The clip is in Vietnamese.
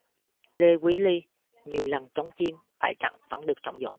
lê quý ly nhiều lần chống chiêm bại trận vẫn được trọng dụng